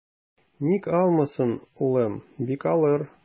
Ник алмасын, улым, бик алыр.